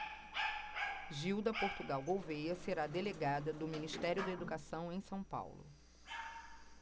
gilda portugal gouvêa será delegada do ministério da educação em são paulo